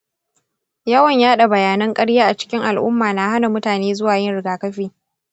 yawan yaɗa bayanan karya a cikin al'umma na hana mutane zuwa yin rigakafi.